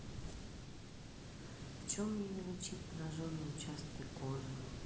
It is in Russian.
в чем ее лечить пораженные участки кожи